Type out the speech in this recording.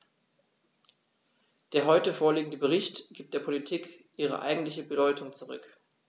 Der heute vorliegende Bericht gibt der Politik ihre eigentliche Bedeutung zurück.